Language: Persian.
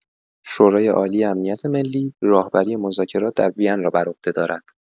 شورای‌عالی امنیت ملی، راهبری مذاکرات در وین را بر عهده دارد.